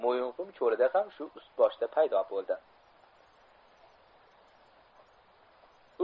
mo'yinqum cho'lida ham shu ust boshda paydo bo'ldi